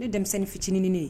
Ne denmisɛnnin fitinin ye